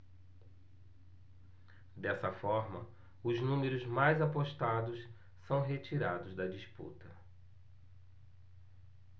dessa forma os números mais apostados são retirados da disputa